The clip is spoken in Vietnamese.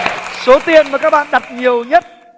số tiền mà các bạn đặt nhiều nhất